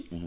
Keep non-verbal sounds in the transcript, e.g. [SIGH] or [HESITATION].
[HESITATION] [HESITATION]